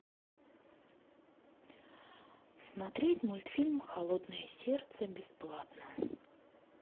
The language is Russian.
смотреть мультфильм холодное сердце бесплатно